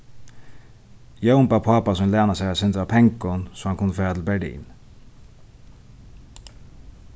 jón bað pápa sín læna sær eitt sindur av pengum so hann kundi fara til berlin